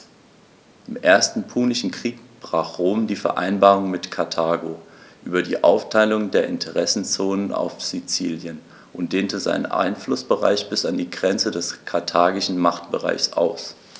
Im Ersten Punischen Krieg brach Rom die Vereinbarung mit Karthago über die Aufteilung der Interessenzonen auf Sizilien und dehnte seinen Einflussbereich bis an die Grenze des karthagischen Machtbereichs aus.